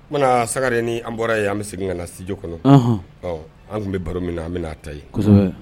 O mana sagaren ni an bɔra yen an bɛ segin ka na sj kɔnɔ an tun bɛ baro min an bɛna'a ta